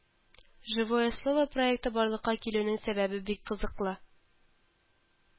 Живое сило проекты барлыкка килүнең сәбәбе бик кызыклы